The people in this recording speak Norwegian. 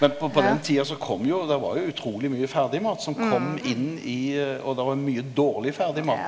men på på den tida så kom jo det var jo utruleg mykje ferdigmat som kom inn i og der var mykje dårleg ferdigmat.